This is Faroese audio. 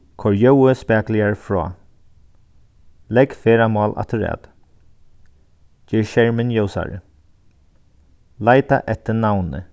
koyr ljóðið spakuligari frá legg ferðamál afturat ger skermin ljósari leita eftir navni